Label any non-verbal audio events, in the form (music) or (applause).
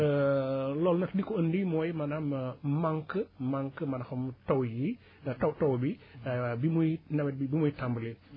(hesitation) loolu nag li ko andi mooy maanaam manque manque man xam taw yi taw taw bi ay wa bi muy nawet bi bi muy tàmbali